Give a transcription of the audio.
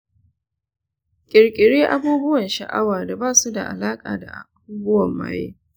ƙirƙiri abubuwan sha’awa da ba su da alaƙa da abubuwan maye.